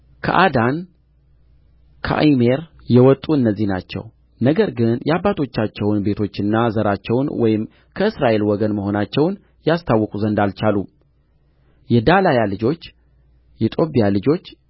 ከአዳን ከኢሜር የወጡ እነዚህ ናቸው ነገር ግን የአባቶቻቸውን ቤቶችና ዘራቸውን ወይም ከእስራኤል ወገን መሆናቸውን ያስታውቁ ዘንድ አልቻሉም የዳላያ ልጆች የጦብያ ልጆች